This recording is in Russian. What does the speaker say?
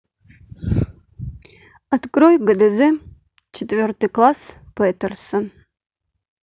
открой гдз четвертый класс петерсон